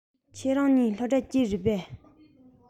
ཁྱེད རང གཉིས སློབ གྲ གཅིག རེད པས